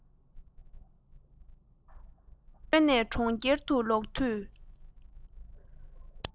བོད ནས གྲོང ཁྱེར དུ ལོག དུས